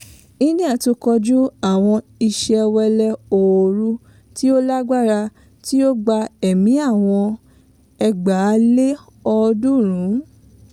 India tún kojú àwọn ìṣẹ́wẹ́lẹ́ ooru tí ó lágbára tí ó gba ẹ̀mí àwọn 2,300.